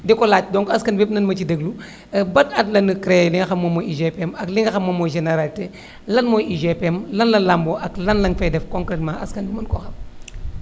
di ko laaj donc askan bépp nañu ma ci déglu ban at lañu créé li nga xam moom mooy UGPM ak li nga xam moom mooy généralité lan mooy UGPM lan la lamboo ak lan lañu fay def concretement askan wi mën koo xam